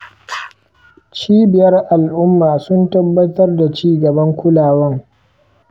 cibiyar al'umma sun tabbatar da cigaban kulawan.